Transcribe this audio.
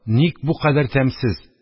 Ник бу кадәр тәмсез?